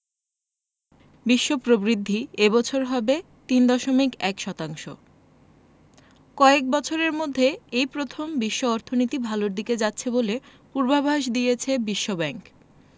বিশ্ব প্রবৃদ্ধি এ বছর হবে ৩.১ শতাংশ কয়েক বছরের মধ্যে এই প্রথম বিশ্ব অর্থনীতি ভালোর দিকে যাচ্ছে বলে পূর্বাভাস দিয়েছে বিশ্বব্যাংক